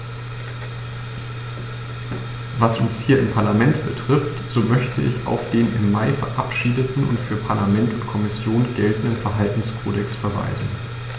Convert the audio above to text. Was uns hier im Parlament betrifft, so möchte ich auf den im Mai verabschiedeten und für Parlament und Kommission geltenden Verhaltenskodex verweisen.